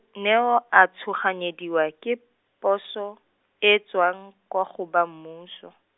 Neo a tshoganyediwa ke, poso, e tswa, kwa go ba mmuso.